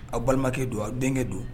Aw balimakɛ don, aw denkɛ don!